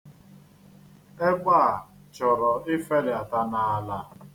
Egbe a chọrọ ifedata n'ala.